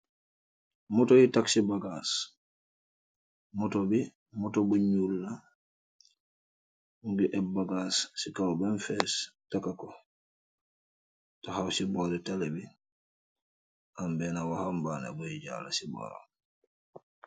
Moto yun tag si bagaas moto bi moto bu nuul la mogi am bagaas ci kaw bem fees takka ko taxaw ci bori talibi bi ambeena waxambaane buy jalla ci boroom.